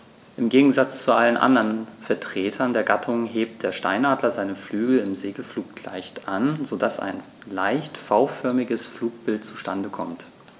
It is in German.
Im Gegensatz zu allen anderen Vertretern der Gattung hebt der Steinadler seine Flügel im Segelflug leicht an, so dass ein leicht V-förmiges Flugbild zustande kommt.